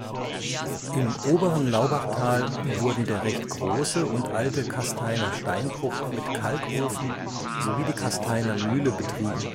Im oberen Laubachtal wurden der recht große und alte Kasteiner Steinbruch mit Kalkofen sowie die Kasteiner Mühle betrieben